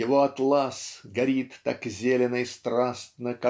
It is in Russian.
его атлас Горит так зелено и страстно